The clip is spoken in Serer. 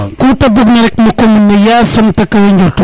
\